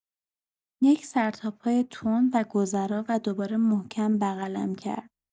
یک سرتاپای تند و گذرا و دوباره محکم بغلم کرد.